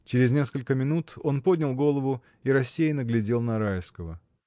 Через несколько минут он поднял голову и рассеянно глядел на Райского.